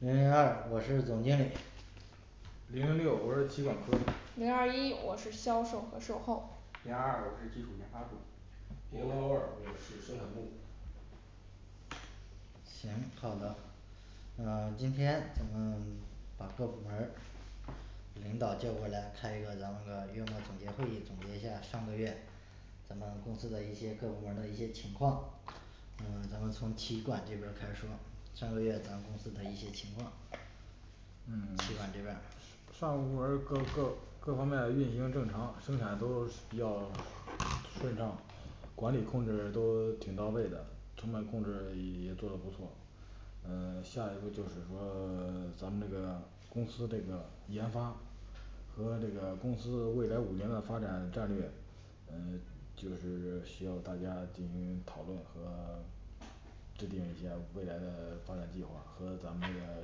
零零二我是总经理零零六我是企管科零二一我是销售和售后零二二我是技术研发部零幺二我是生产部行好的呃今天咱们把各部门儿领导叫过来，开一个咱们个月末总结会议总结一下儿上个月咱们公司的一些各部门的一些情况嗯咱们从企管这边儿开始说，上个月咱公司的一些情况企嗯管这边儿上部门各个各方面运营正常生产都比较顺畅管理控制都挺到位的成本控制也做的不错呃下一步就是说呃咱们这个公司这个研发和这个公司未来五年的发展战略呃就是需要大家进行讨论和制定一下我们未来的发展计划和咱们那个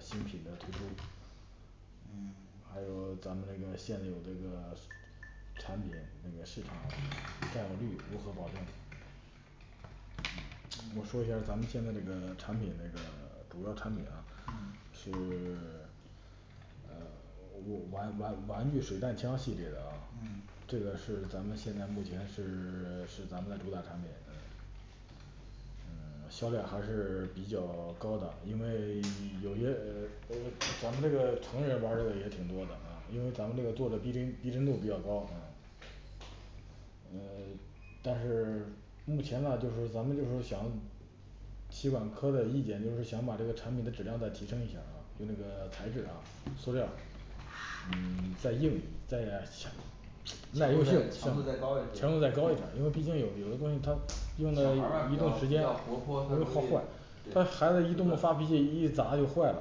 新品的推出呃还有咱们这个现有这个产品那个市场占有率如何保证我说一下儿咱们现在那个产品那个主要产品啊嗯是 呃 玩玩玩具水弹枪系列的啊嗯这个是咱们现在目前是 是咱们主打产品嗯嗯 销量还是比较高的，因为有些呃呃咱们这个成人玩儿这个也挺多的，啊因为咱们这个做的逼真逼真度比较高啊呃但是目前呢就是说咱们就说想企管科的意见就是想把这个产品的质量再提升一下儿啊跟那个材质啊塑料再硬再要强强度再强强度再高一些度再高一点儿因为毕竟有有的东西它小孩儿吗用一比较段时比间较活泼它，它容易容好坏易那对孩子一动发脾气一砸就坏了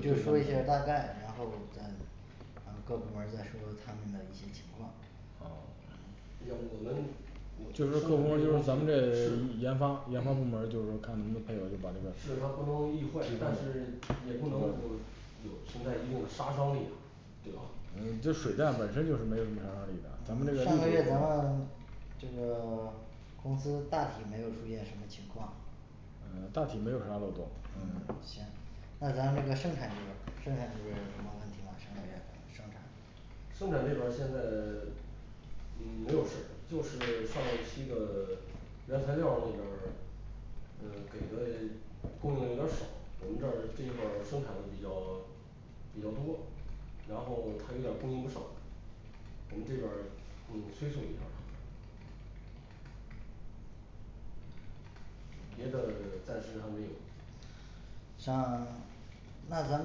就所说以一说下大概然后再呃各部门儿再说他们的一些情况要不我跟，我你觉比如得生产说这咱们个东这西是研发研发部门儿就是说看能不能把这是它不儿能易坏但是也不能就是有存在一定的杀伤力对吧你这水弹本身就是没有什么杀伤力的嗯咱上们这个月个咱们这个 公司大体没有出现什么情况嗯大体没有啥漏洞嗯行那咱们这个生产这边儿生产这边儿有什么问题吗上个月咱们生产生产这边儿现在 嗯 没有事儿，就是上一期的原材料那边儿呃给的供应有点儿少，我们这儿这一块生产的比较比较多，然后他有点儿供应不上我们这边儿嗯催促一下儿他们别的暂时还没有上那咱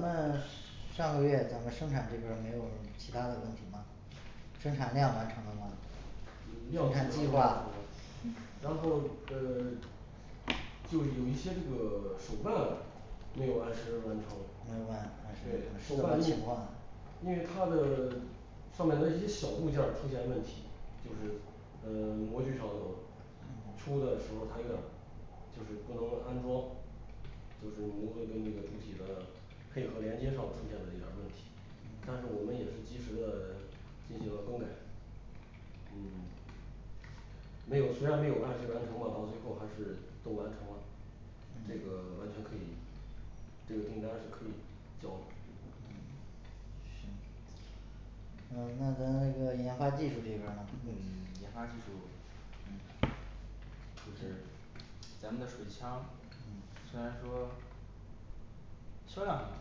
们是 上个月咱们生产这边儿没有其他的问题吗生产量完成了吗量基本生产计上完成划了然嗯后呃就是有一些这个手办没有按时完成没有按按时对完成什手办么因情况因为它他的上面的一些小部件出现问题就是呃模具上头出的时候它有点就是不能安装，就是模具跟这个主体的配合连接上出现了一点儿问题但是我们也是及时的进行了更改嗯 没有虽然没有按时完成吧，到最后还是都完成了这嗯个完全可以这个订单是可以交的呃那咱这个研发技术这边儿呢嗯研发技术就是咱们的水枪虽然说销量很好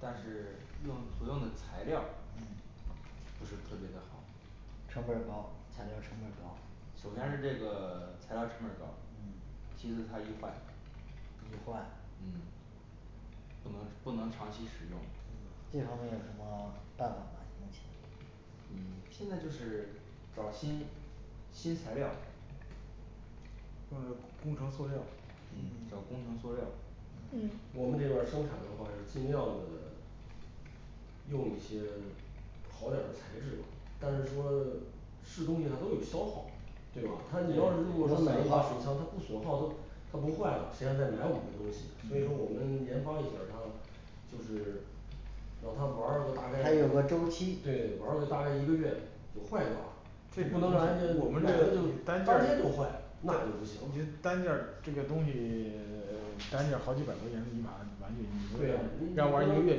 但是用所用的材料不是特别的好成本儿高材料儿成本儿高首先是这个材料成本高其次它易坏易坏嗯不能不能长期使用这方面有什么办法吗目前嗯现在就是找新新材料或者找工程塑料儿嗯找工程塑料儿我们嗯这边儿生产的话是尽量的用一些好点儿的材质，但是说是东西它都有消耗对吧？他你要是如果对说买一把水枪它不损耗都它不坏了谁还在买我们的东西所以我嗯们研发一下儿它就是让它玩儿了个大概，它对对有个周期玩儿了个大概一个月就坏掉啦这你个不不能能让人家我买们这了就个，单当件天就坏儿那就不行你这单件儿这个东西呃 单件儿好几百块钱玩玩具你说对是你要玩儿一个不月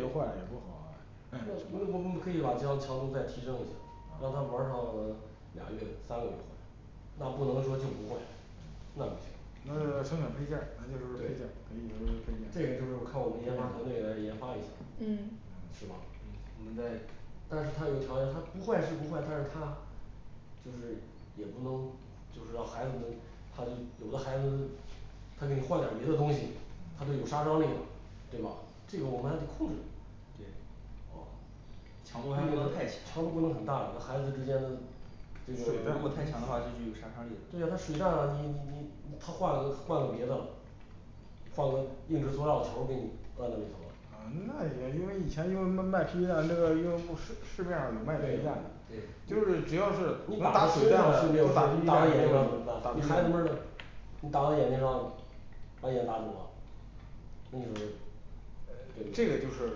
就了也不好啊那那诶我们可以把质量强度再提升一下儿让他玩儿上俩月三个月坏那不能说就不坏那不行那这生产配件儿那就对是这个就是靠们研发团队来研发一下儿嗯是吧嗯那再但是它有条件它不坏是不坏，但是它就是也不能就是让孩子们他都有的孩子他给你换点别的东西，它都有杀伤力，对吧？这个 我们还得控制强度这还不能太个强强度不能很大那孩子之间的这如个对果太强的话就具有杀伤力呀了它水弹你你你他换了个换个别的了换个硬质塑料球给你按在里头嗯那也因为以前因为卖卖霹雳弹那个因为市市面儿有卖霹雳对弹的呀对就是只要是你打在身上是没有事，你打在眼睛上怎么办你孩子们儿你打到眼睛上，把眼打肿了嗯 这这个个就是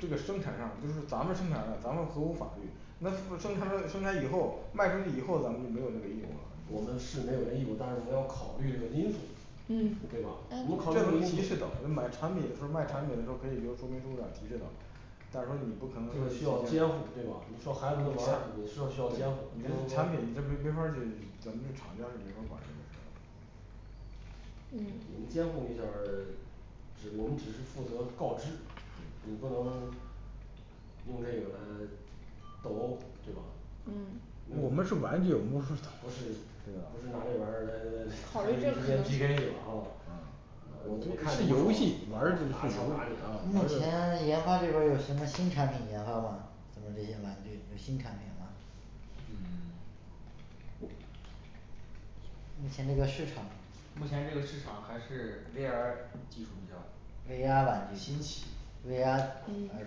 这个生产上就是咱们生产的咱们合乎法律那生出来生产以后卖出去以后咱们就没有这个义务了我们是没有这义务，但是我们要考虑这个因素嗯对吧这个可？我们考嗯虑这个以东西提示的我们买产品的时候，卖产品的时候，我们可以有个说明书上提这个但是说你不可能这个需要监护对吧？你说孩子们玩儿也是需要监护，不你这能产品说这没没法儿去咱们这厂家是没法管这个事儿的嗯监护一下儿只我们只是负责告知，你对不能用这个来斗殴对吧嗯没我有们是玩具我们公司不是这个不是拿这儿玩儿意来啊来考孩虑这个子们之间P K的哈呃我不就看你熟不爽悉拿枪打你啊目前研发这边儿有什么新产品研发吗那么这些玩具有新产品吗嗯 目前这个市场目前这个市场还是V R技术比较 V R玩兴起具的 V R 嗯儿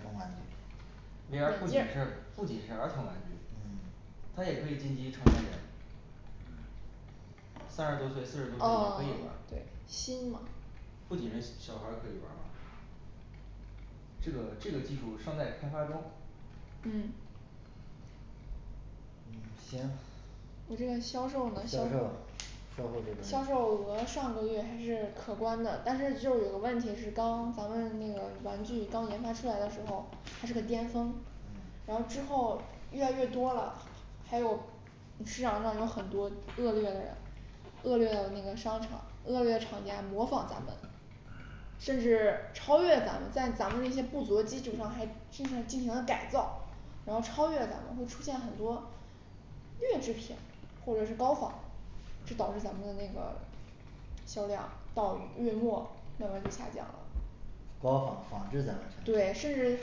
童玩具 V R不仅是不仅是儿童玩具它也可以晋级成年人三十多岁四十多哦岁也可以玩 对新嘛不仅是小孩可以玩嘛这个这个技术尚在开发中嗯行我这个销销售售呢售后这边销儿售额上个月还是可观的，但是就是有个问题是刚刚咱们那个玩具刚研发出来的时候它是个巅峰然后之后越来越多了还有嗯市场上有很多恶劣的恶劣的那个商场，恶劣厂家模仿咱们甚至超越咱们在咱们那些不足的基础上还顺便进行了改造然后超越咱们会出现很多劣质品，或者是高仿这导致咱们的那个销量到月末慢慢就下降了高仿仿制咱们产品对，甚至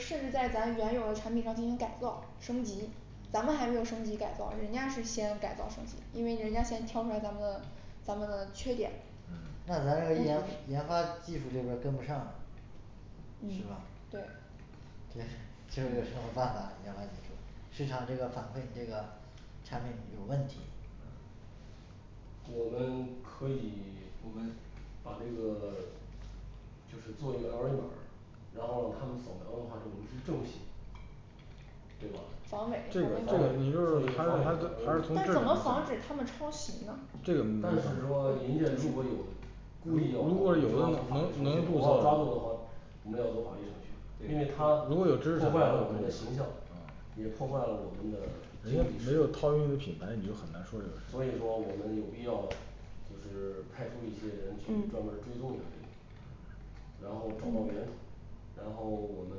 甚至在咱原有的产品上进行改造升级咱们还没有升级改造，人家是先改造升级，因为人家先挑出来咱们的咱们的缺点那咱这个研研发技术这边儿跟不上嗯是吧对诶这个想想办法市场这个反馈你这个产品有问题我们可以我们把这个就是做一个二维码儿然后让他们扫描的话我们是正品对吧这个防防伪伪这防个伪防伪码二但维码怎么防止他们抄袭呢这个但是说如人家果有如故果意有要我我们要就要走法律程序，抓住的话我们要走法律程序，因为对他破坏了我们的形象也破坏了我们的所经济以说他这个品牌也很难说是所以说我们有必要就是派出一些人去专门嗯追踪一下这个然后找到源头然后我们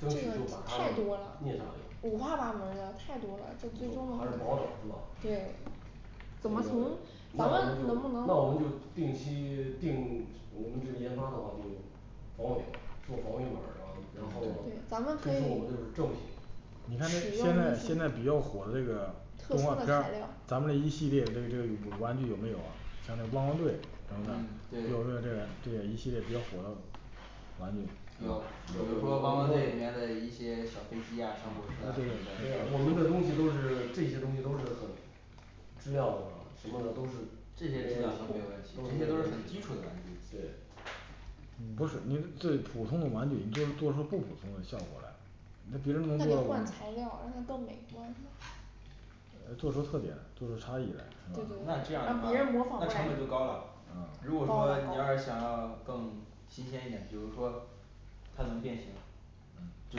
争取就的把他们太多了灭杀掉五嗯还是花八门的太多了这最终能保守是吧对呃那我们就怎么从咱们能不能那我们就定期定我们这个研发的话就防伪码做防伪码然后对，咱然后们可推出以我们的就是正品使用一你看这现在些现在比较火的这个特动殊画的片儿材料，儿咱们这一系列这个这个玩具有没有啊像那汪汪队咱们嗯呐有没有这对个这个一系列比较火的玩具吗有比如说汪汪队里比较面的一些小飞机啊小火车什么对啊的我们的东西都是这些东西都是很质量的什么都是这些质量都没有问题，这些都是很基础的玩具对不是你最普通的玩具你做出做出不普通的效果来那别人能那就做换材料儿让它更美观呃做出特点做出差异来对那这对啊样让别人的模仿话不那成本就高来了啊如果说你要是想要更新鲜一点，比如说它能变形就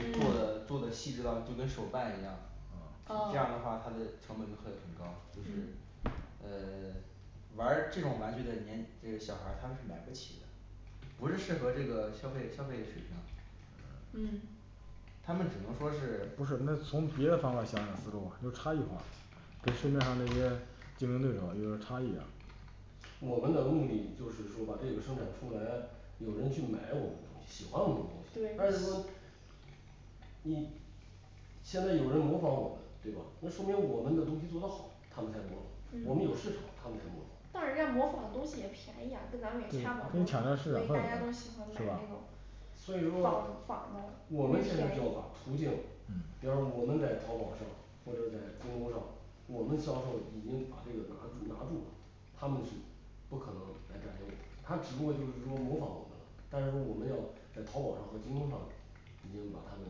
是做得做得细致到就跟手办一样这哦样的话它的成本就会很高就嗯是呃 玩儿这种玩具的年这个小孩儿他们是买不起的不是适合这个消费消费水平嗯他们只能说是不是那从别的方面想想思路啊就是差异化跟市面上这些竞争对手有点差异我们的目的就是说把这个生产出来有人去买我们的东西，喜欢我们的东西但对是说你现在有人模仿我们对吧？那说明我们的东西做得好他们才模仿我们有嗯市场他们才模仿但人家模仿的东西也便宜啊，跟得想咱那们也差不了多个少，事所怎么以大家办都喜欢买对吧那种所以仿说仿的我们现在就要把便宜途径比方说我们在淘宝上或者在京东上我们销售已经把这个拿住拿住了他们是不可能来占领我们，他只不过就是说模仿我们了但是说我们要在淘宝上和京东上已经把他们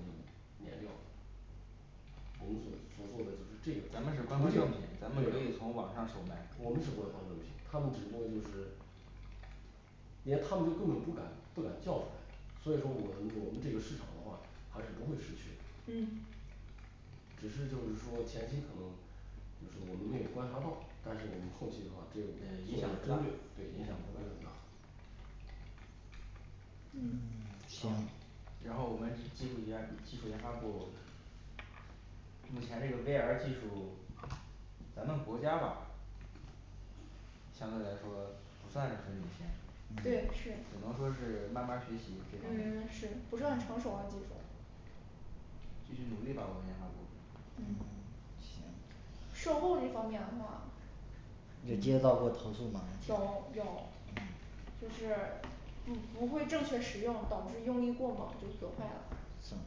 那个捻掉我们所所做的就是这个咱们是官方途径商品，咱们也可以从网上售卖我们是官方正品他们只不过就是连他们就根本不敢不敢叫出来。所以说我们我们这个市场的话还是不会失去的嗯只是就是说前期可能不是我们没有观察到，但是我们后期的话做个针呃对影响不大对影响不会很大嗯行然后我们技术研技术研发部目前这个V R技术咱们国家吧相对来说不算是很领先嗯对，是只能说是慢慢儿学习这方嗯面是不是很成熟的技术继续努力吧我们研发部嗯行售后这方面的话有接到过投诉吗有有就是不不会正确使用，导致用力过猛就损坏了损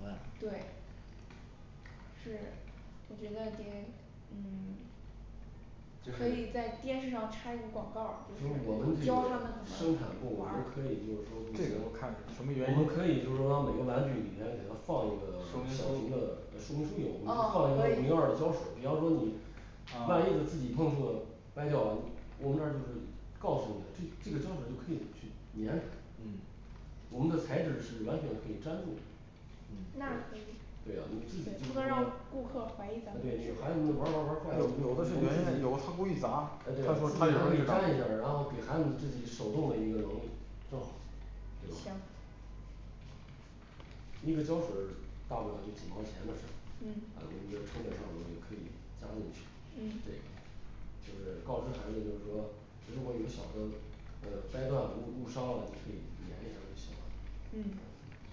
坏对是我觉得给嗯 就可是以在电视上插一个广告儿所以我就们是这个教他们怎生产么部我玩们噢可以就是说不这行个看什么原我因们可以就是说每个玩具里面给他放一个小说明型的书呃说明书有我们放一哦可以个五零二的胶水儿，比方说你万一他啊自己碰触的掰掉了，我们这就是告诉你了，这这个胶水儿就可以去黏嗯我们的材质是完全可以粘住嗯那对你对啊你自己就对是这说个让顾客呃怀疑咱们质对你孩子们玩儿玩儿玩量儿坏了对啊里不面是可那种他故意砸到时候他以粘一下然后给孩子们自己手动的一个能力做好对吧行一个胶水儿大不了就几毛钱的事儿，嗯呃我们在成本儿上的东西可以加进去这个嗯就是告知孩子就是说如果有小的呃掰断了误误伤了，你可以粘一下就行了嗯对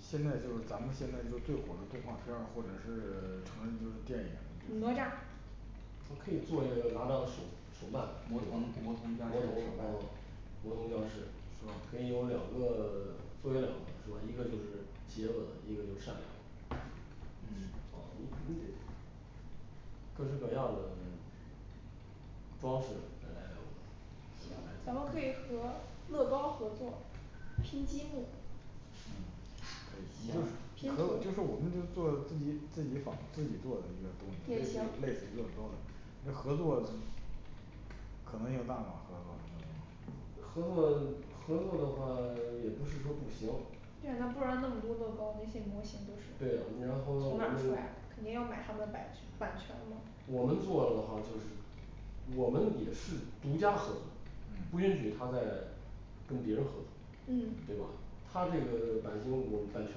现在就是咱们现在说最火的动画片儿或者是什么就是电影哪吒我可以做一个哪吒手手办魔魔童童魔童降世手办呃魔童降世可以有两呃个做个两个是吧一个就是邪恶的，一个就是善良嗯好你你得各自围绕着装饰再来两个行来几咱们可个以和乐高合作，拼积木嗯嗯行可拼能就是我们就图做自己自己把自己做的一个东西类也似行于类似于乐高了你像合作可能有办法合作合作合作的话也不是说不行现在不然那么多乐高那些模型都是对然后我从哪儿们弄来的肯定要买他们版权版权的我们做了的话就是我们也是独家合作，不允许他在跟别人合作对嗯吧他这个版型我们版权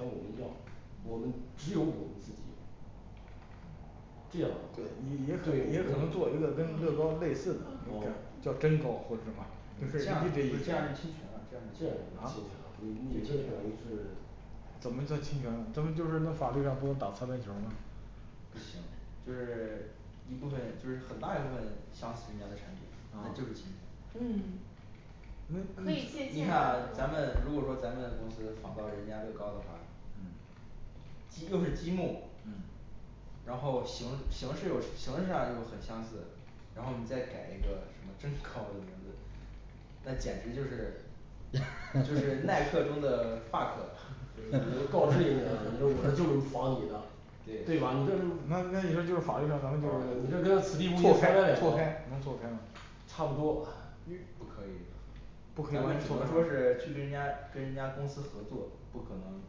我们要我们只有我们自己有这样的对对我们你也做也能做一个跟乐高类似的哦叫真高或者什么不是这样不必须行这得啊样就侵权了这这样就侵权了你样啊这等于是怎么算侵权了咱们就是在法律上不能打擦边球儿吗不行就是一部分就是很大一部分相似人家的产品，那就是侵哦权嗯那可那以借 你鉴看啊咱们如果说咱们公司仿造人家乐高的话嗯积又是积木嗯然后形形式有是形式上就很相似然后你再改一个什么真高 的名字那简直就是就是耐克 中的法克你就告知人家 我这就是仿你的对对吧？你这是那那你说就是法律上咱们哦你这就是跟此地无错银三百开两错开能错开吗差不多不可以不可咱们只能说以是去跟人家跟人家公司合作，不可能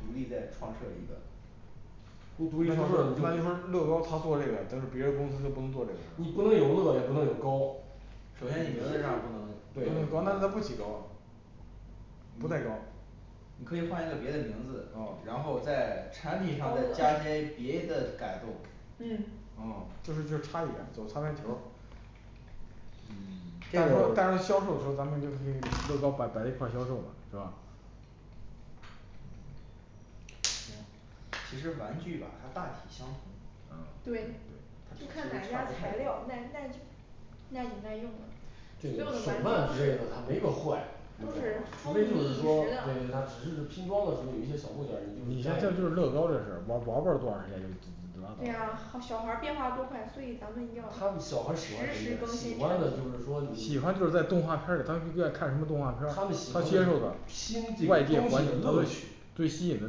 独立再创设一个你独不是立那就创设你就说乐高他做这个但是别的公司就不能做这个你不能有乐也不能有高首先你名字上不对那咱能们不起高不带高你可以换一个别的名字，哦然后在产品上再加一些别的改动嗯哦就是差一点走擦边球第二嗯个销售的时候咱们就是把乐高一块儿销售嘛是吧对其实玩具吧它大体相同噢对它其 就其看咱实差家不太材多料耐耐久耐久耐用的这个手办之类的它没个坏啊都是除风靡非就一是时说对的对它只是拼装的时候有一些小部件儿其你就实是粘一下这就是乐高的事玩玩玩不了多长时间就对呀小孩儿变化多快所以咱们一定要他们小孩儿实喜欢什时么更呢喜新产欢的就是品说喜你欢就是在动画片儿里他会看他什么动画片儿们喜他欢接受的的吸引这个东西的乐趣最吸引的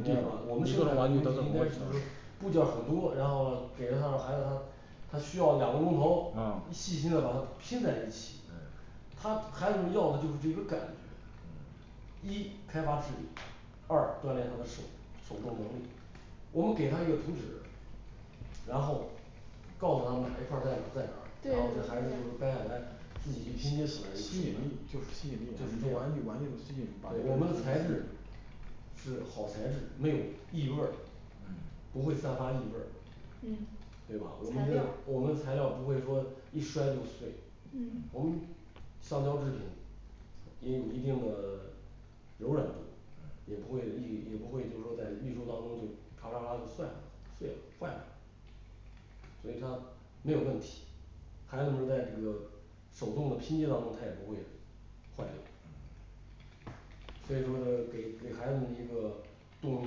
地方我我我们们生产这个东西应该是部件儿很多，然后了给了他让孩子他他需要两个钟头哦细心的把它拼在一起他孩子们要的就是这个感觉一开发智力二锻炼他的手，手动能力我们给他一个图纸然后告诉他们哪一块儿在哪儿在哪儿，对就然后这孩是子就是这样掰下来自己去拼接吸出来一个手吸引办力，就就是是吸引力就是咱这们样玩具的吸引对我们的材质是好材质，没有异味儿嗯不会散发异味嗯对吧？我们就我们的材料不会说一摔就碎我嗯们橡胶制品也有一定的柔软度也不会一也不会就是说在运输当中就嚓嚓嚓就坏了碎了坏了所以他没有问题孩子们在这个手动的拼接当中，它也不会坏掉所以说这个给给孩子们一个动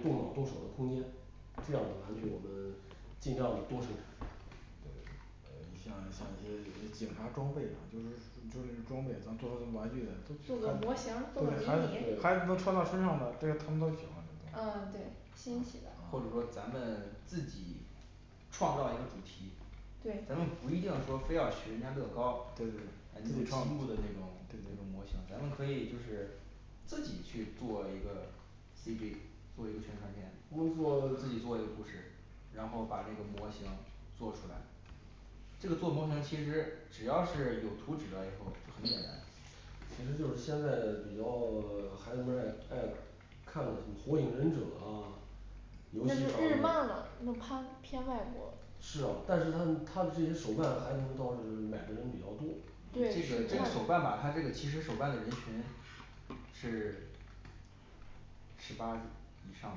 动脑动手的空间这样的玩具我们尽量的多生产呃呃像像一些那些警察装备就是就是装备做成玩具孩做个模型儿做个迷对你子呀们能穿到身上的，这是他们都喜欢呃对新奇的或者说咱们自己创造一个主题对咱们不一定说非要学人家乐高就是拼过的那种那种模对型咱们可以就是自己去做一个 C G做一个宣传片我们做自己做一个故事然后把这个模型做出来这个做模型其实只要是有图纸了以后就很简单其实就是现在比较孩子们儿爱爱看的什么火影忍者啊游那戏是还日有漫了那太偏外国了是啊但是他的他的这些手办啊孩子们到是买的人比较多这个这个对手办吧他其实手办的人群是十八以上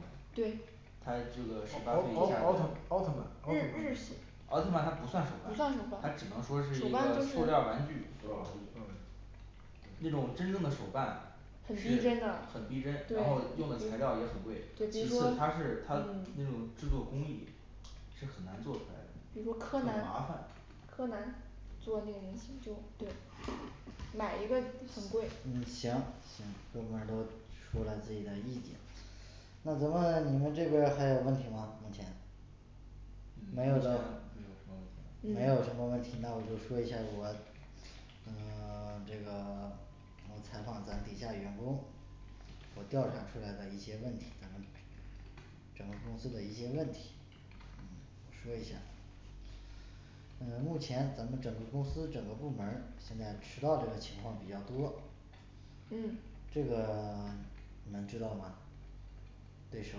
的对他这奥奥奥特奥个十八岁以下的特曼日日奥特曼系奥特曼它不算手不算办手办，它只能说是手一办个就是塑料儿玩具塑料儿玩具那种真正的手办是很逼真的很逼真对，然后用的材料也很贵对比其如次说它是它嗯那种制作工艺是很难做出来比如的柯很南麻烦柯南做那个就对买一个很贵嗯行各部门都说了自己的意见那咱们你们这边还有问题吗？目前嗯目前没没有有什么了问题没有什嗯么问题那我就说一下我呃 这个我采访咱底下员工我调查出来了一些问题咱们整个公司的一些问题说一下呃目前咱们整个公司整个部门现在迟到的情况比较多嗯这个你们知道吗对手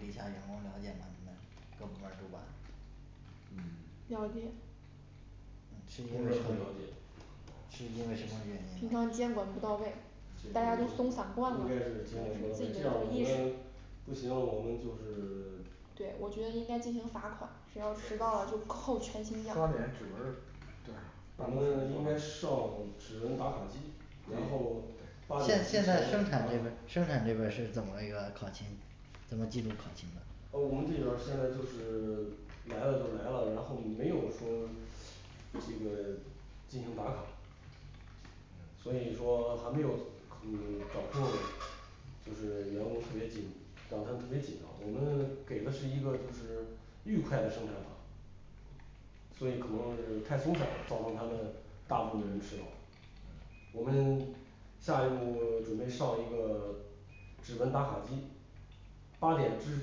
底下员工了解吗？你们？各部门儿主管嗯了解不是很了解是因为什么原因平常监管不到位大家都松应该是这样这散惯了样我们不行了我们就是对我觉得应该进行罚款只要迟到了就扣全勤刷奖脸指纹儿&对&我们应该上指纹打卡机然后对八点现之前现打在生卡产这边儿生产这边儿是怎么一个考勤怎么记录考勤的噢我们这边儿现在就是来了就来了，然后没有说这个进行打卡所以说还没有掌控嗯掌控就是员工特别紧掌控特别紧张，我们给的是一个就是愉快的生产法所以可能是太松散了，造成他们大部分人迟到我们下一步准备上了一个指纹打卡机。八点之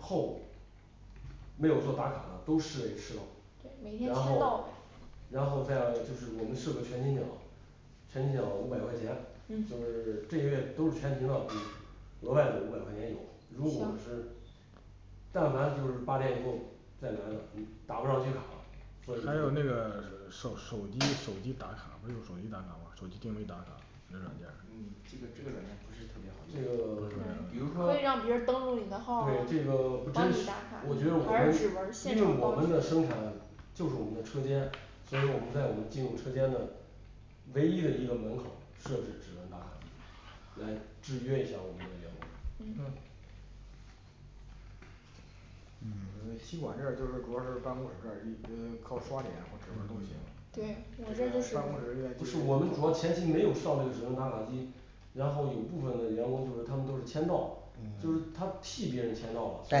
后没有做打卡的都视为迟到对每天然签到呗后然后再就是我们设个全勤奖全勤奖五百块钱，就嗯是这个月都是全勤了就，额外的五百块钱有，如果是但凡就是八点以后再来了，你打不上去卡了就是还这有样那个手手机手机打卡，不是有手机打卡嘛，手机定位打卡嗯这这就个这这个软件儿不是特别这个对好用比如说可以让别人登录你的号这个不帮真你实打我觉得我卡还是指纹儿们因现为场我方便们的生产就是我们的车间所以我们在我们进入车间的唯一的一个门口设置指纹打卡机来制约一下我们的员工嗯嗯嗯企管这儿就是主要是办公室这儿呃靠刷脸或指纹儿都行对，我这就是办公室人不是我员们主要前期没有上这个指纹打卡机然后有部分的员工就是他们都是签到，就嗯是他替别人签到了，所以